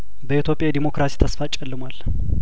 በኢትዮጵያ የዴሞክራሲ ተስፋ ጨልሟል